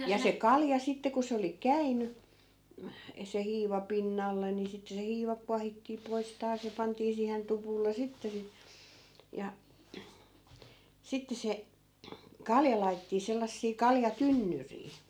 ja se kalja sitten kun se oli käynyt - se hiiva pinnalle niin sitten se hiiva kuohittiin pois taas ja pantiin siihen tupulle sitten - ja sitten se kalja laitettiin sellaisia kaljatynnyrejä